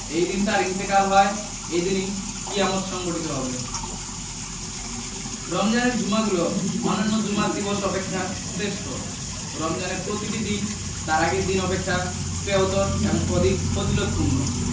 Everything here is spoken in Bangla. এদিন তাঁর ইন্তেকাল হয় এদিনেই কিয়ামত সংঘটিত হবে রমজানের জুমাগুলো অন্যান্য জুমার দিবস অপেক্ষা শ্রেষ্ঠ রমজানের প্রতিটি দিন তার আগের দিন অপেক্ষা শ্রেয়তর এবং অধিক ফজিলতপূর্ণ